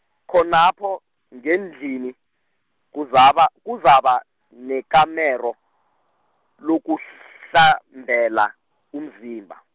khonapho, ngendlini, kuzaba kuzaba, nekamero, lokuhlambela umzimba.